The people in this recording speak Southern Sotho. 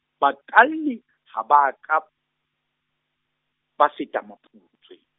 bakalli, ha ba ka, ba feta Maputswe.